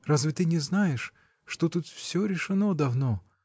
— Разве ты не знаешь, что тут всё решено давно?